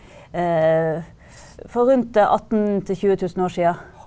for rundt 18 til 20000 år sia.